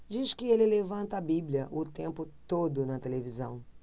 diz que ele levanta a bíblia o tempo todo na televisão